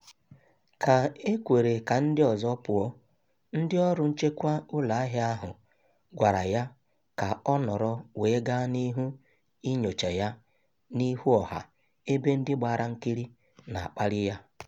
Ka e kwere ka ndị ọzọ pụọ, ndị ọrụ nchekwa ụlọ ahịa ahụ gwara ya ka ọ nọrọ wee gaa n’ihu inyocha ya n’ihu ọha ebe ndị gbara nkiri na-akparị ya.